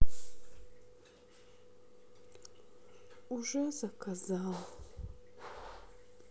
уже заказал